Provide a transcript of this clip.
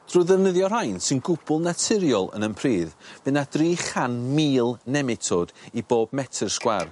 Drw ddefnyddio rhain sy'n gwbwl naturiol yn 'yn pridd fy' 'na dri chan mil nemitode i bob metyr sgwâr.